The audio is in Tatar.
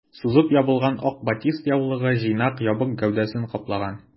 Сузып ябылган ак батист яулыгы җыйнак ябык гәүдәсен каплаган.